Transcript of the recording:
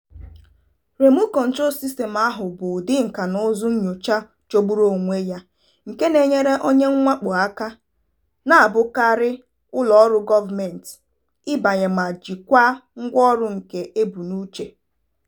Remote Control System áhụ̀ bụ ụdị nkànaụzụ nnyocha jọgburu onwe ya nke na-enyere onye mwakpo aka, na-abụkarị ụlọọrụ gọọmentị, ịbanye ma jikwaa ngwaọrụ nke e bu n'uche.